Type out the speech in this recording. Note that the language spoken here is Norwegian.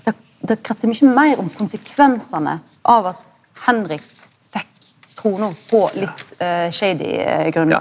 det det krinsar mykje meir om konsekvensane av at Henrik fekk trona på litt shady grunnlag.